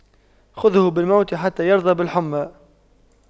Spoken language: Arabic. خُذْهُ بالموت حتى يرضى بالحُمَّى